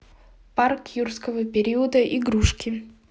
парк юрского периода игрушки